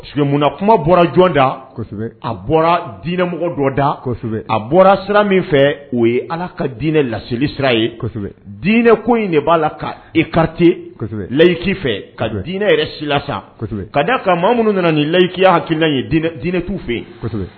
Silamɛm kuma bɔra jɔn da a bɔra dinɛmɔgɔ dɔ da a bɔra sira min fɛ o ye ala ka dinɛ laselili sira ye dinɛ ko in de b'a la ka e kate layiki fɛ dinɛ yɛrɛ si la sa ka da kan ma minnu nana ni layihikiya hakiliki ye dinɛtuu fɛ